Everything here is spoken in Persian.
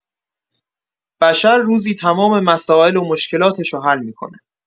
بشر روزی تمام مسائل و مشکلاتشو حل می‌کنه